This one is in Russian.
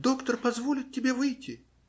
Доктор позволит тебе выйти.